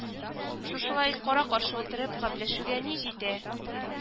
Шушылай кара-каршы утырып гәпләшүгә ни җитә…